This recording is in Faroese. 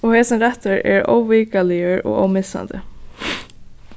og hesin rættur er óvikaligur og ómissandi